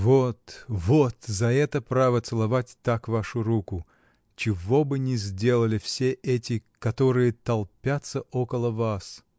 — Вот, вот, за это право целовать так вашу руку чего бы не сделали все эти, которые толпятся около вас!